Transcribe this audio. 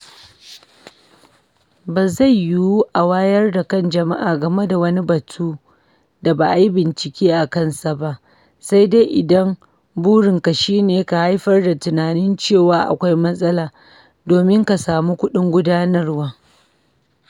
Ba zai yiwu a wayar da kan jama’a game da wani batu da ba a yi bincike kansa ba, sai dai idan burinka shi ne ka haifar da tunanin cewa akwai matsala domin ka samu kuɗin gudanarwa.